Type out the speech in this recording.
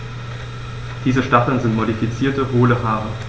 Diese Stacheln sind modifizierte, hohle Haare.